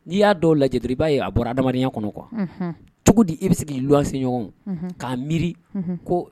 Ni y'a dɔw lajɛ dɔrɔn i b'a ye a bɔra adamadenya kɔnɔ quoi unhun cogodi e be k'i luwanse ɲɔŋɔnw unhun k'a miiri unhun ko